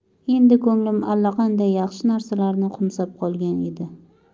endi ko'nglim alla qanday yaxshi narsalarni qo'msab qolgan edi